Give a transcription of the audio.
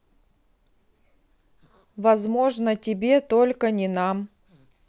возможно тебе только не нам